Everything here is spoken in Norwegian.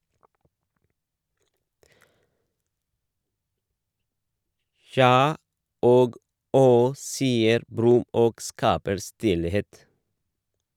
"Tja" og "Åh!", sier Brumm og skaper stillhet.